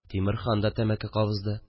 Тимерхан да тәмәке кабызды